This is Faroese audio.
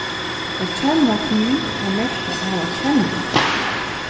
at kenna til kann merkja at hava kenning